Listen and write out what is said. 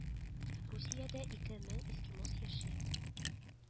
Русиядә ике мең эскимос яши